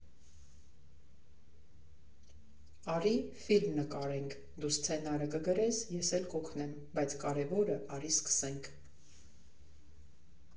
Արի՛ ֆիլմ նկարենք, դու սցենարը կգրես, ես էլ կօգնեմ, բայց կարևորը՝ արի՛ սկսենք։